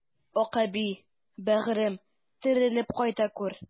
Акъәби, бәгырем, терелеп кайта күр!